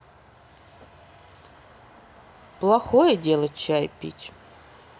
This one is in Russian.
плохое делать чай пить